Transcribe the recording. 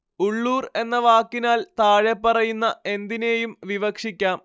ഉള്ളൂര്‍ എന്ന വാക്കിനാല്‍ താഴെപ്പറയുന്ന എന്തിനേയും വിവക്ഷിക്കാം